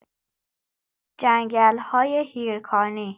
جنگل‌های هیرکانی